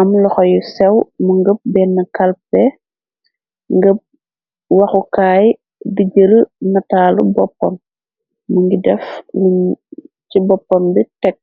am loxoyu sew. Mu ngëb benn kalpe ngëb waxukaay dijël nataalu boppon. Mu ngi def lunu ci boppon bi tekk.